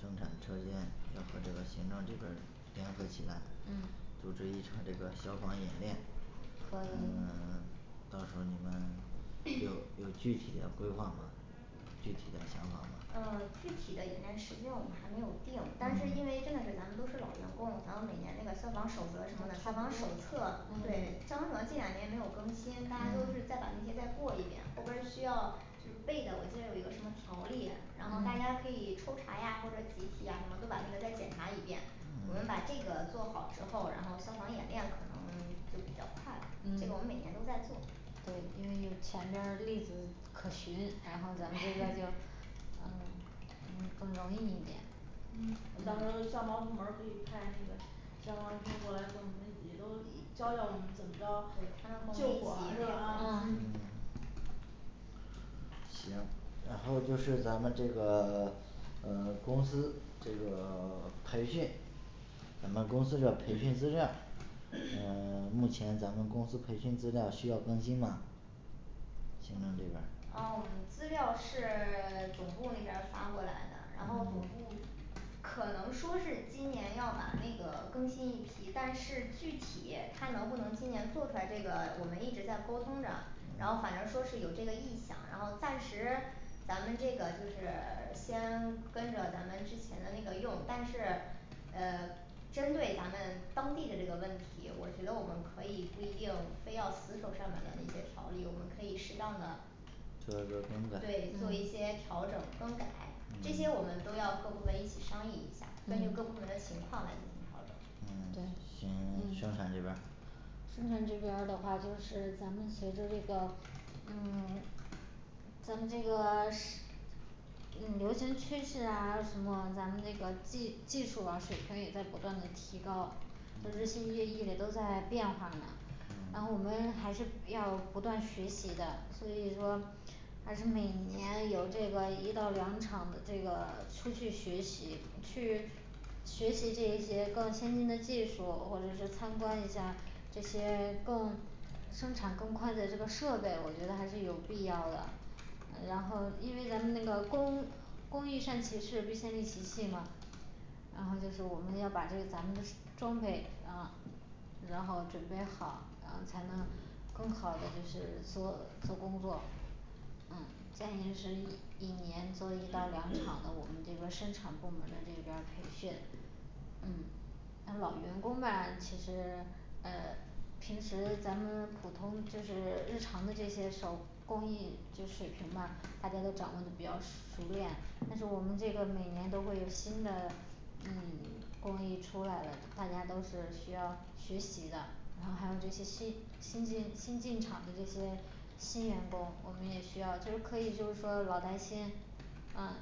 生产车间，要和这个行政这边儿联合起来嗯组织一场这个消防演练到时候嗯 到时候儿你们有 有具体的规划吗具体的想法啊具体的演练时间我们还没有定，但是因为嗯真的是咱们都是老员工，然后那个每年消防守则什么的消防手册对消嗯防手册&嗯&这两年没有更新，大家都是再嗯把那些再过一遍，后边儿需要就是背的我记得有一个什么条例，然后大家可嗯以抽查呀或者集体啊什么都把那个再检查一遍我们把这个做好之后然后消防演练可能就比较快了&嗯嗯&这个我们每年都在做对，因为前边儿例子可循，然后咱们这边儿就对呃嗯更容易一点嗯&嗯&到时候儿消防部门儿可以派那个消防兵过来跟我们也都教教我们怎么着他们和救我火们一是起吧？嗯行然后就是咱们这个 呃公司这个 培训咱们公司这培训资料，嗯 目前咱们公司培 训资料需要更新嘛 嗯 目前咱们公司培训资料需要更新嘛行政这边儿呃我们资料是 总部那边儿发过来的，然后总部可能说是今年要把那个更新一批，但是具体他能不能今年做出来这个，我们一直在沟通着然后反正说是有这个意向，然后暂时咱们这个就是 先跟着咱们之前的那个用，但是呃针对咱们当地的这个问题，我觉得我们可以不一定非要死守上面儿的那些条例，我们可以适当的做一做更改对做一些调整更改这些我们嗯都要各部门一起商议一下，根据各部嗯门的情况来进行调整嗯对行，生嗯产这边儿生产这边儿的话，就是咱们随着这个嗯咱们这个 是嗯流行趋势什么，咱们那个技技术啊水平儿也在不断的提高呃日新月异也都在变化呢然后我嗯们还是不要不断学习的所以说还是每年有这个一到两场的这个出去学习，去学习这一些更先进的技术，或者是参观一下这些更生产更宽的这个设备，我觉得还是有必要的嗯然后因为咱们那个工工欲善其事必先利其器嘛然后就是我们要把这个咱们的装备呃然后准备好然后才能更好的就是说做工作嗯建议是一一年做一到两 场的 我们生产部门的这边儿培训。嗯那老员工吧其实呃平时咱们普通就是日常的这些手工艺就水平吧大家都掌握的比较熟练，但是我们这个每年都会有新的嗯工艺出来了大家都是需要学习的，然后还有这些新新进新进厂的这些新员工，我们也需要就是可以就是说老带新，啊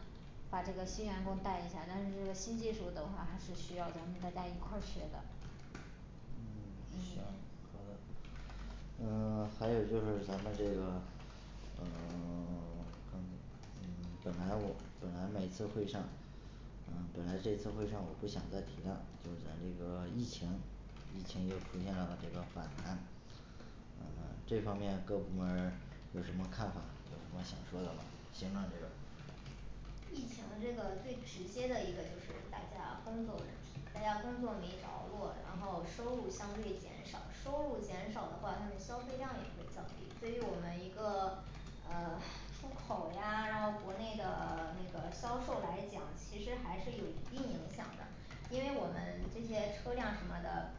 把这个新员工带一下，但是新技术的话还是需要咱们大家一块儿学的。行嗯还有就是咱们这个嗯 嗯嗯本来我本来每次会上嗯本来这次会上我不想再提了，就是咱们这个疫情疫情又出现了这个反弹，那么这方面各部门儿有什么看法？有什么想说的嘛行政这边儿疫情这个最直接的一个就是大家工作问题，大家工作没着落，然后收入相对减少收入减少的话，他们消费量也会较低，所以我们一个呃出口呀然后国内的那个销售来讲，其实还是有一定影响的因为我们这些车辆什么的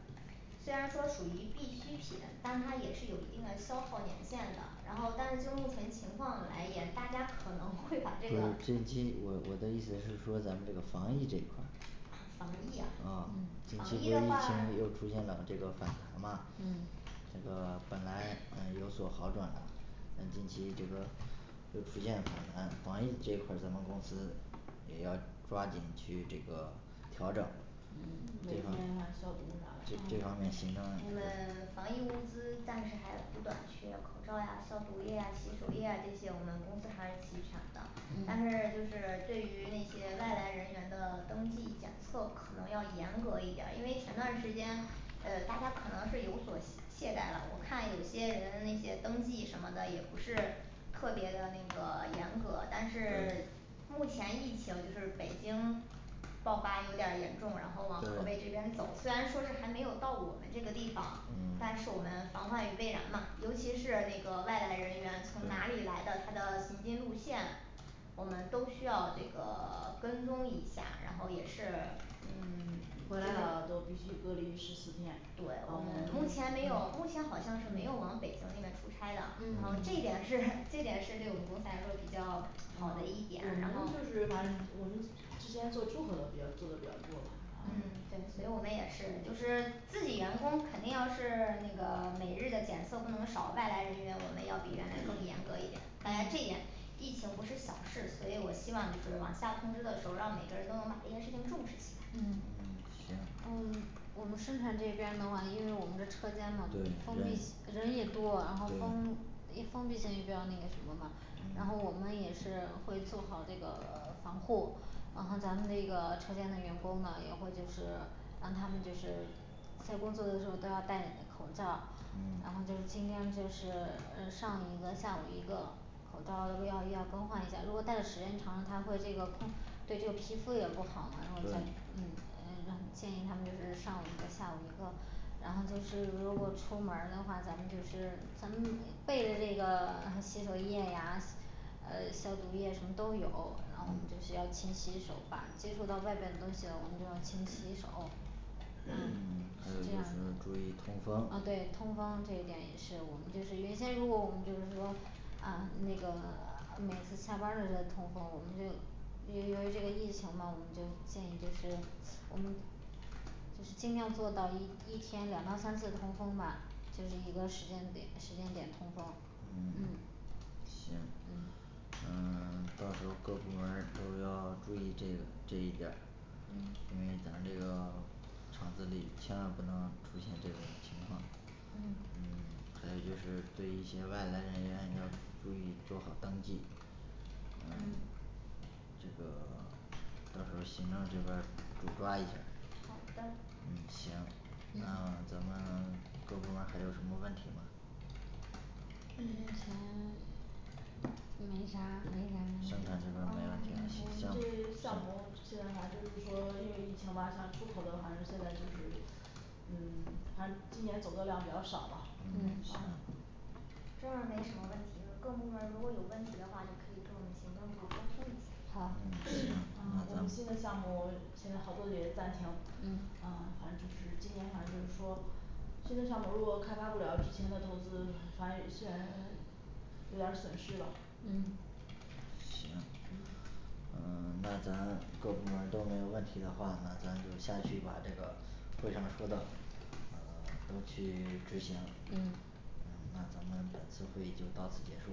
虽然说属于必需品，但它也是有一定的消耗年限的，然后但是就目前情况来言大家可能不会是把 这个最近我我的意思是说咱们这个防疫这块儿防疫啊防嗯不是疫疫情的话又出现了这个反弹吗嗯这个本来诶有所好转的，但近期这个就出现反弹，防疫这一块儿咱们公司也要抓紧去这个调整嗯每天还消啊毒啥就这的，样啊的我形成嗯们 防疫物资，暂时还不短缺口罩儿呀消毒液啊、洗手液啊这些我们公司还是齐全的。&嗯&但是就是对于那些外来人员的登记检测可能要严格一点儿，因为前段儿时间呃大家可能是有所懈 懈怠了，我看有些人那些登记什么的也不是特别的那个 严格，但是 目前疫情就是北京爆发有点儿严重，然后往河北这对边走，虽然说是还没有到我们这个地方但嗯是我们防患于未然嘛尤其是那个外来人员从哪里来的，他的行进路线我们都需要这个 跟踪一下，然后也是嗯回来了都必须隔离十四天对我，我们目们前没有目前好像是没有往北京那边出差的然后嗯这点是 这点是对我们公司来说比较好的我们一点然后就是反我们之前做出口的比较做的比较多吧嗯嗯对，所以我们也是就是自己员工肯定要是嗯那个每日的检测不能少，外来人员我们要比原来更严嗯 格一点，大家这一点疫情不是小事，所以我希望就是往下通知的时候，让每个人都能把这件事情重视起来。嗯行嗯我们生产这边的话，因为我们的车间嘛封对闭对人也多，然后封对一封闭性也比较那个什么嘛然后我嗯们也是会做好这个防护，然后咱们那个车间的员工呢也会就是让他们就是在工作的时候都要带口罩然后嗯就尽量就是上一个下午一个口罩都要要更换一下，如果戴的时间长了他会这个空 对这个皮肤也不好然后也对嗯嗯呢建议他们就是上午一个下午一个，然后就是如果出门儿的话，咱们就是咱们备着这个洗手液呀，呃消毒液什么都有，然后我们就是要勤洗手吧，接触到外面的东西，我们就要勤洗手 嗯还有是一这点样就是注意的通风呃对这通风一点也是我们就是原先如果我们就是说啊那个呃每次下班儿的时候通风我们就因为这个疫情嘛我们就建议就是嗯尽量做到一一天两到三次通风吧就是一个时间点时间点通风嗯嗯嗯行嗯嗯呃 到时候各部门儿都要注意这个这一点儿&嗯&因为咱这个厂子里千万不能出现这种情况嗯嗯还有就是对一些外来人员要注意做好登记&嗯&这个 到时候儿行政这边儿主抓一下儿好的嗯行&嗯&那咱们各部门还有什么问题吗嗯前没啥没啥生啊我们产这边儿没了是吧这项目现在好像就是说，因为疫情吧像出口的，反正现在就是嗯今年走的量比较少吧啊嗯行嗯嗯这儿没什么问题了，各部门儿如果有问题的话，就可以跟我们行政部沟通一下好 啊我们新的项目现在好多也是暂停，啊反正就是今年反正就是说新的项目如果开发不了之前的投资，反正现在有点儿损失吧&嗯&行嗯嗯那咱各部门儿都没有问题的话，那咱就下去把这个会上说的呃都去执行。&嗯&嗯那咱们本次会议就到此结束